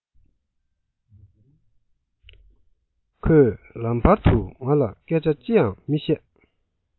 ཁོས ལམ བར དུ ང ལ སྐད ཆ ཅི ཡང མི བཤད